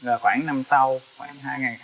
là khoảng năm sau khoảng hai ngày